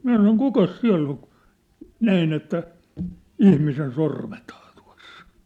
minä sanoin kukas siellä on - näin että ihmisen sormethan tuossa on